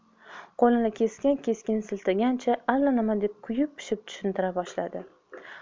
qo'lini keskin keskin siltagancha allanimani kuyib pishib tushuntira boshladi